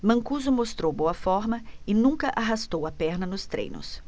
mancuso mostrou boa forma e nunca arrastou a perna nos treinos